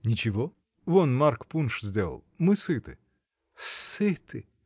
— Ничего: вон Марк пунш сделал. Мы сыты. — Сыты!